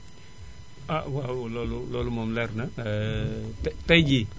ha waaw loolu moom leer na tay jii